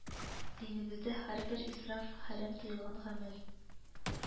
Динебездә һәрбер исраф хәрам, тыелган гамәл